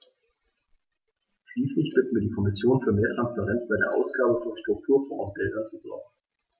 Schließlich bitten wir die Kommission, für mehr Transparenz bei der Ausgabe von Strukturfondsgeldern zu sorgen.